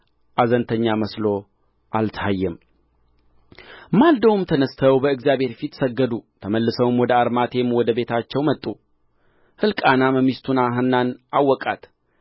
አዘንተኛ መስሎ አልታየም ማልደው ተነሥተው በእግዚአብሔር ፊት ሰገዱ ተመልሰውም ወደ አርማቴም ወደ ቤታቸው መጡ ሕልቃናም ሚስቱን ሐናን አወቃት